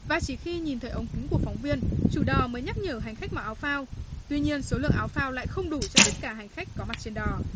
và chỉ khi nhìn thấy ống kính của phóng viên chủ đò mới nhắc nhở hành khách mặc áo phao tuy nhiên số lượng áo phao lại không đủ cho tất cả hành khách có mặt trên đò